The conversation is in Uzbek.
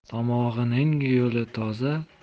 tomog'ining yo'li toza